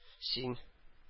Син